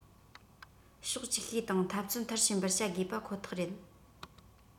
ཕྱོགས ཅིག ཤོས དང འཐབ རྩོད མཐར ཕྱིན པར བྱ དགོས པ ཁོ ཐག རེད